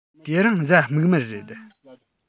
དེ རིང གཟའ མིག དམར རེད